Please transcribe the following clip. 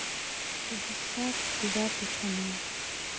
пятьдесят девятый канал